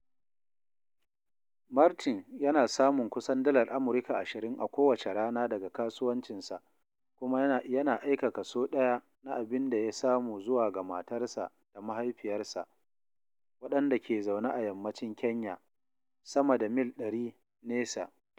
Martin yana samun kusan dalar Amurka $20 a kowace rana daga kasuwancinsa kuma yana aika kaso ɗaya na abin da ya samu zuwa ga matarsa da mahaifiyarsa, waɗanda ke zaune a Yammacin Kenya, sama da mil 100 nesa.